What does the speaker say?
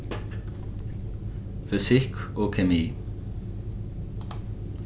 fysikk og kemi